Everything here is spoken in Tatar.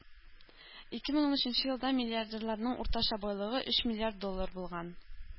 Ике мең унөченче елда миллиардерларның уртача байлыгы өч миллиард доллар булган.